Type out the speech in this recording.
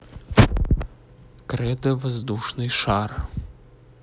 credo воздушный шар